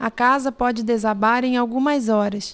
a casa pode desabar em algumas horas